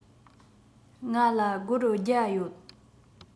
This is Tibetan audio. ང ལ སྒོར བརྒྱ ཡོད